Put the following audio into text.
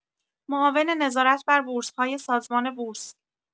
معاون نظارت بر بورس‌های سازمان بورس